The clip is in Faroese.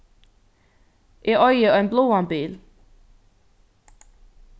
eg eigi ein bláan bil